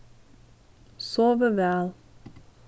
sovið væl